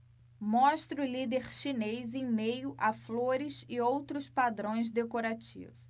mostra o líder chinês em meio a flores e outros padrões decorativos